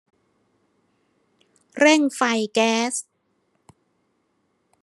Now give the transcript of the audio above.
เร่งไฟแก๊ส